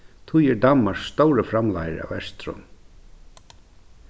tí er danmark stórur framleiðari av ertrum